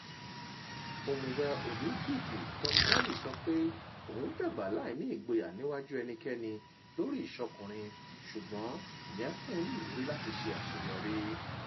Òmùwẹ̀ Òlíńpììkì Tom Daley sọ pé òwun dàgbà láìní ìgboyà níwájú ẹnikẹ́ni lórí ìṣokùnrin - ṣùgbọ́n ìyẹn fún òun ní ìwúrí láti ṣe àṣeyọrí.